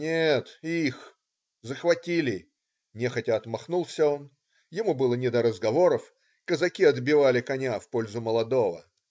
"Нет, их - захватили",- нехотя отмахнулся он, ему было не до разговоров казаки отбивали коня в пользу молодого.